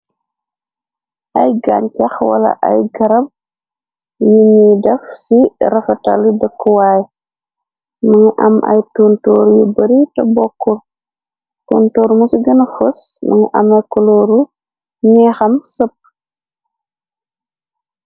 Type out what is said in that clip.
Ay gaañ chax wala ay garab yi ñuy def ci rafatalu dëkkuwaay mangi am ay tontoor yu bari te bokut tontoor mi ci gëna fos mangi ama kolooru ñeexam sëpp.